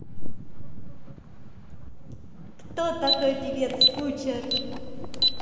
кто такой певец кучер